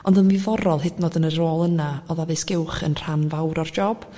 ond yn ddiddorol hydnod yn yr rôl yna o'dd addysg uwch yn rhan fawr o'r job